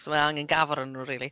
So mae angen gafr arnon nhw rili.